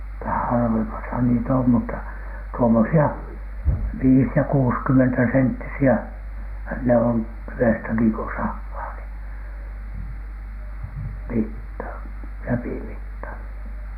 - harvemmassa niitä on mutta tuommoisia viisi ja kuusikymmentäsenttisiä ne on tyvestäkin kun sahaa niin mitta läpimitta